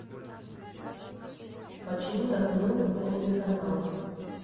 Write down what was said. почему так много после каналов